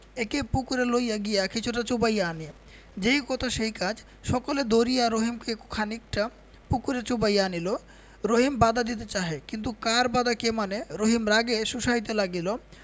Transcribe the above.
একে পুকুরে লইয়া গিয়া কিছুটা চুবাইয়া আনি যেই কথা সেই কাজ সকলে ধরিয়া রহিমকে খনিকটা পুকুরে চুবাইয়া আনিল রহিম বাধা দিতে চাহে কিন্তু কার বাধা কে মানে রহিম রাগে শোষাইতে লাগিল